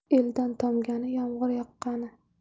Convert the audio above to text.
eldan tomgani yomg'ir yoqqani